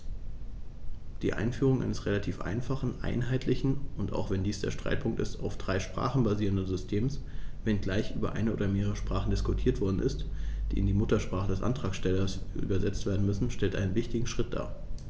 Die Einführung eines relativ einfachen, einheitlichen und - auch wenn dies der Streitpunkt ist - auf drei Sprachen basierenden Systems, wenngleich über eine oder mehrere Sprachen diskutiert worden ist, die in die Muttersprache des Antragstellers übersetzt werden würden, stellt einen wichtigen Schritt dar.